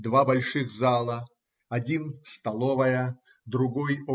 Два больших зала, один столовая, другой